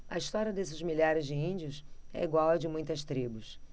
a história desses milhares de índios é igual à de muitas tribos